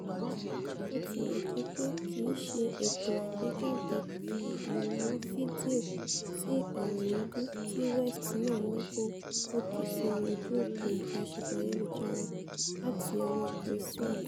Botilẹjẹpe kìí ṣe ètò àgbéjáde, àwòrán fídíò ti ọ̀rọ̀ èébú ti West náà ni kó gòké sínú ojú-òpò ìbáṣepọ̀ ayelujara láti ọwọ́ Chris Rock.